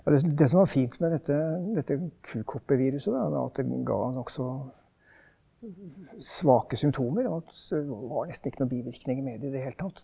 ja det det som var fint med dette dette kukoppeviruset da det var at det ga nokså svake symptomer, og at det var nesten ikke noe bivirkninger med det i det hele tatt.